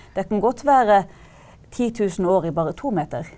det kan godt være 10000 år i bare to meter.